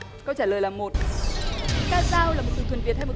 câu trả lời là một ca dao là một từ thuần việt hay một